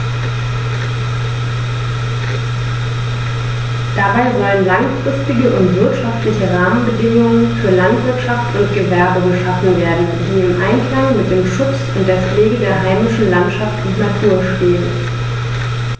Dabei sollen langfristige und wirtschaftliche Rahmenbedingungen für Landwirtschaft und Gewerbe geschaffen werden, die im Einklang mit dem Schutz und der Pflege der heimischen Landschaft und Natur stehen.